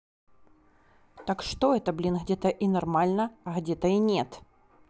так что это блин где то и нормально а где то и нет